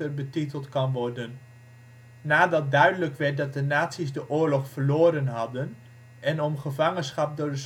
betiteld kan worden. Nadat duidelijk werd dat de nazi 's de oorlog verloren hadden, en om gevangenschap door